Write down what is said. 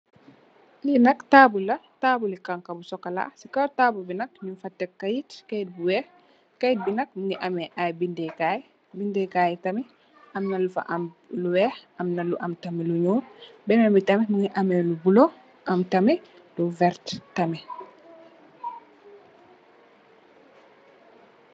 Lii nak taabul la, taabuli xonxu bu sokolaa, taabul bi nak, nyung fa tek kayit, kayit bi nak, mu ngi am ay binde kaay, am na lu fa am lu weex, am na lu fa m am lu nyuul. Benen bii tam mu ngi am lu bulo am tam lu werta tamit.